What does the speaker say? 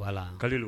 Voila